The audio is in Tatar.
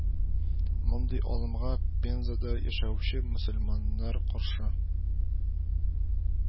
Мондый алымга Пензада яшәүче мөселманнар каршы